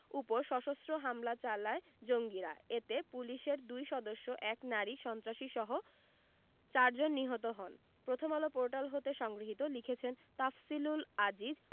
ওপর সশস্ত্র হামলা চালায় জঙ্গিরা এতে পুলিশের দুই সদস্য এক নারী সন্ত্রাসীসহ চারজন নিহত হন প্রথমআলো পোর্টাল হতে সংগৃহীত লিখেছেন তাফসিলুল আজিজ